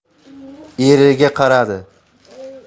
eriga qaradi